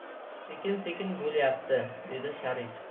sekin sekin bo'lyapti dedi sharif